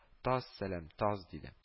Таз! Сәлам, таз! — диде. —